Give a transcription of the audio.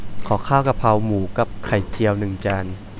ขอข้าวกะเพราหมูกับไข่เจียวหนึ่งจาน